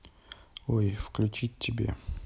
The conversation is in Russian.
ой включить тебе